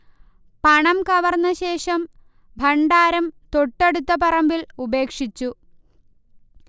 പണം കവർന്നശേഷം ഭണ്ഡാരം തൊട്ടടുത്ത പറമ്പിൽ ഉപേക്ഷിച്ചു